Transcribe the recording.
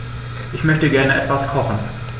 Ich möchte gerne etwas kochen.